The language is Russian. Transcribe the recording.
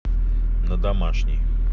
на домашний